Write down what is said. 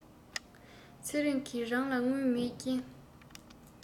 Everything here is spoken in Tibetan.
ཚེ རིང གི རང ལ དངུལ མེད རྐྱེན